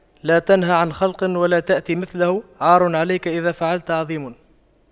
لا تنه عن خلق وتأتي مثله عار عليك إذا فعلت عظيم